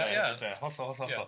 De hollol hollol hollol,